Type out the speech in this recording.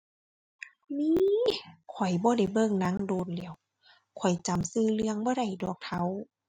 มี ข้อยบ่ได้เบิ่งหนังโดนแล้ว ข้อยจำชื่อเรื่องบ่ได้ดอกเฒ่า